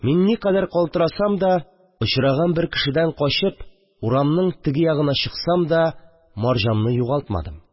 Мин никадәр калтырасам да, очраган бер кешедән качып урамның теге ягына чыксам да, марҗамны югалтмадым